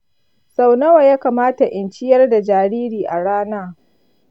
sau nawa ya kamata in ciyar da jariri a rana?